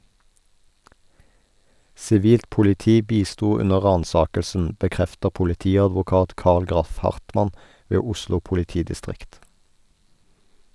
Sivilt politi bisto under ransakelsen, bekrefter politiadvokat Carl Graff Hartmann ved Oslo politidistrikt.